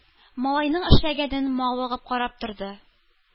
Малайның эшләгәнен мавыгып карап торды.